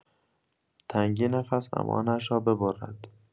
تنگی نفس امانش را ببرد.